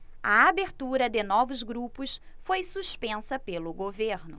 a abertura de novos grupos foi suspensa pelo governo